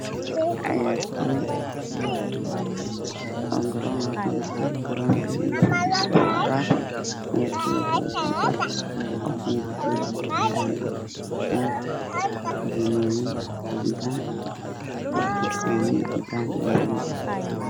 Waa meel garoon oo lagu ciyaraayo waxaa ii muuqdo wiilal qabo fanaanado caddaan dad badan ka dambeeyeen oo daawanayaan